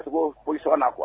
A queoli sabanan kuwa